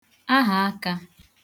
ahàakā